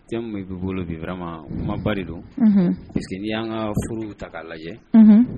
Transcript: Cɛ bɛ bolo dima kumaba de don parce que n' y' ka furu ta' lajɛ